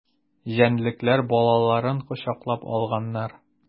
Җәнлекләр балаларын кочаклап алганнар.